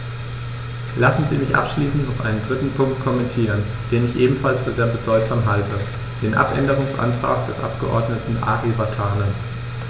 Lassen Sie mich abschließend noch einen dritten Punkt kommentieren, den ich ebenfalls für sehr bedeutsam halte: den Abänderungsantrag des Abgeordneten Ari Vatanen.